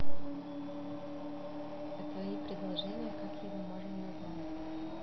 а твои предположения как его можно назвать